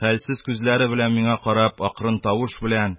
Хәлсез күзләре белән миңа карап, акрын тавыш белән: -